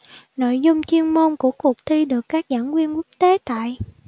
nội dung chuyên môn của cuộc thi được các giảng viên quốc tế tại